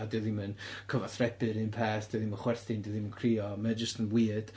A dio ddim yn cyfathrebu'r un peth, dio ddim yn chwerthin, dio ddim yn crio, mae o jyst yn weird.